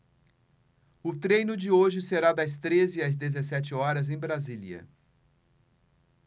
o treino de hoje será das treze às dezessete horas em brasília